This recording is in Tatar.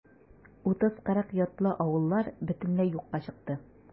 30-40 йортлы авыллар бөтенләй юкка чыкты.